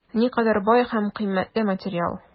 Никадәр бай һәм кыйммәтле материал!